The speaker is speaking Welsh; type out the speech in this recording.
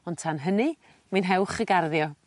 On' tan hynny mwynhewch y garddio.